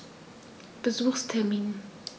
Besuchstermin